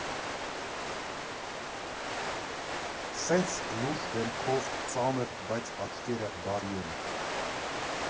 Սենց լուրջ դեմքով, ծանր, բայց աչքերը բարի են։